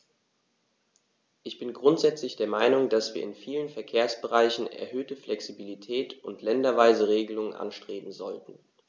Ich bin grundsätzlich der Meinung, dass wir in vielen Verkehrsbereichen erhöhte Flexibilität und länderweise Regelungen anstreben sollten.